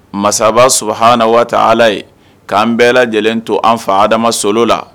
Masaba su huna waa ala ye k'an bɛɛ lajɛlen to an fadamaso la